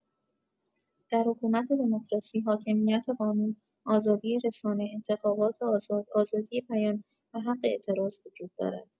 در حکومت دموکراسی، حاکمیت قانون، آزادی رسانه، انتخابات آزاد، آزادی بیان و حق اعتراض وجود دارد.